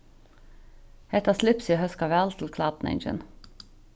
hetta slipsið hóskar væl til klædningin